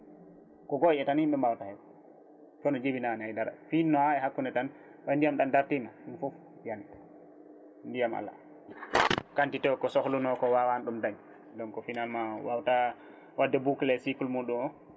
ko gooƴe tan yimɓe mbawata hebde kono jibinani haydara finno ha e hakkude tan ɗon ndiyam ɗam dartima fofoof yaani ndiyam ala quantité o ko sohluno ko wawano ɗum daañ donc finalement wawata wadde bouclé cycle muɗum o